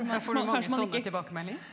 men får du mange sånne tilbakemeldinger?